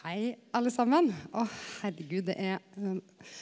hei alle saman og herregud det er .